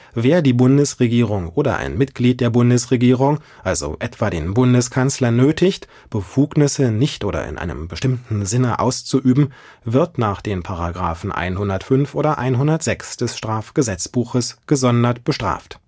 Wer die Bundesregierung oder ein Mitglied der Bundesregierung, also etwa den Bundeskanzler, nötigt, Befugnisse nicht oder in einem bestimmten Sinne auszuüben, wird nach den §§ 105 oder 106 des Strafgesetzbuches gesondert bestraft